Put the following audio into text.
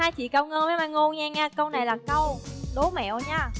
hai chị cao ngân với mai ngô nghe nha câu này là câu đố mẹo nha